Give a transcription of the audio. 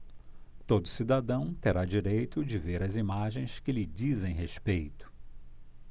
todo cidadão terá direito de ver as imagens que lhe dizem respeito